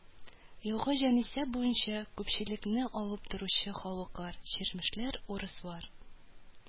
Елгы җанисәп буенча күпчелекне алып торучы халыклар: чирмешләр , урыслар